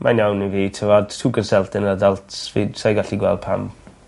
Mae'n iawn i fi t'mod two conselting adults fi d- sai gallu gweld pam...